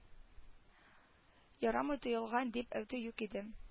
Ярамый тыелган дип әйтү юк иде